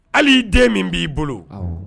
Hali' den min b'i bolo